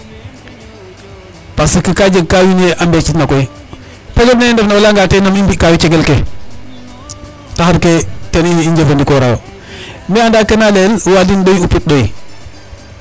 Parce que ka jeg ka wiin we a mbecitna koy période nene i ndefna o layanga te nam i mbi'kaayo cegel ke, taxar ke ten i njefandikoorayo mais anda ke na layel waadin ɗoy upit ɗoy.